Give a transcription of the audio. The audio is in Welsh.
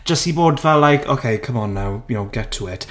Jyst i bod fel like. "Ok come on now." You know, "Get to it."